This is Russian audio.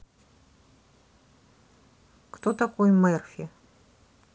кто такой мерфи